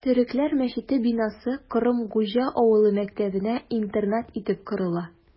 Төрекләр мәчете бинасы Комыргуҗа авылы мәктәбенә интернат итеп корыла...